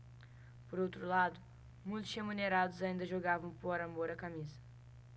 por outro lado muitos remunerados ainda jogavam por amor à camisa